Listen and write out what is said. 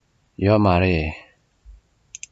ཡོད མ རེད